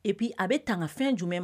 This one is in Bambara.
Pi a bɛ tanga fɛn jumɛn